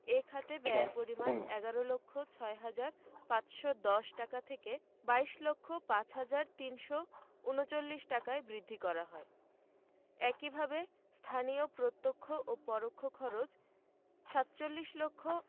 এ খাতে ব্যয়ের পরিমাণ ১১ লক্ষ ৬ হাজার ৫১০ টাকা থেকে ২২ লক্ষ ৫ হাজার ৩৩৯ টাকায় বৃদ্ধি করা হয় একইভাবে স্থানীয় প্রত্যক্ষ ও পরোক্ষ খরচ ৪৭ লক্ষ